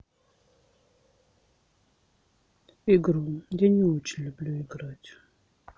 игру я не очень люблю играть